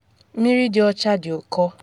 Mmiri dị ọcha dị ụkọ.